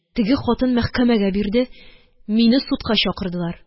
Теге хатын мәхкәмәгә бирде, мине судка чакырдылар.